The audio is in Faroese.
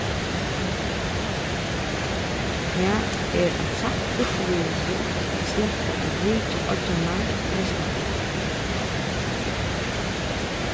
tað er eitt satt upplivilsi at sleppa at vitja oyggjarnar vestanfyri